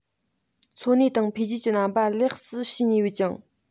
འཚོ གནས དང འཕེལ རྒྱས ཀྱི རྣམ པ ལེགས སུ ཕྱིན ཡོད ཅིང